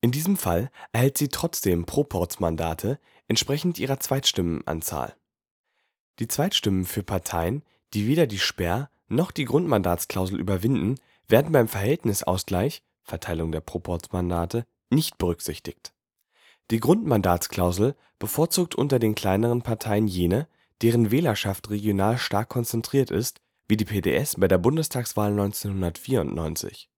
diesem Fall erhält sie trotzdem Proporzmandate entsprechend ihrer Zweitstimmenanzahl. Die Zweitstimmen für Parteien, die weder die Sperr - noch die Grundmandatsklausel überwinden, werden beim Verhältnisausgleich (Verteilung der Proporzmandate) nicht berücksichtigt. Die Grundmandatsklausel bevorzugt unter den kleinen Parteien jene, deren Wählerschaft regional stark konzentriert ist, wie die PDS bei der Bundestagswahl 1994. Sie